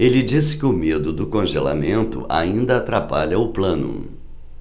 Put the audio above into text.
ele disse que o medo do congelamento ainda atrapalha o plano